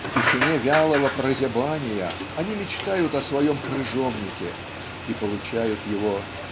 В тишине вялого прозябания они мечтают о своем крыжовнике и получают его